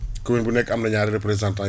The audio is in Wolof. commune bu nekk am na ñaari représentants